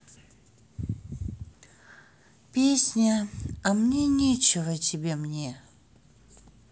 песня а мне нечего тебе мне